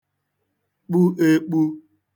kpu ēkpū